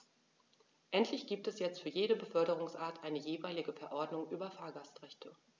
Endlich gibt es jetzt für jede Beförderungsart eine jeweilige Verordnung über Fahrgastrechte.